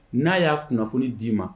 N'a y'a kunnafoni d'i ma